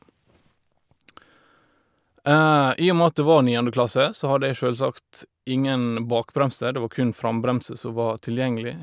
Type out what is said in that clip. I og med at det var niendeklasse, så hadde jeg sjølsagt ingen bakbremse, det var kun frambremse som var tilgjengelig.